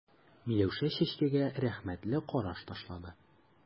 Миләүшә Чәчкәгә рәхмәтле караш ташлады.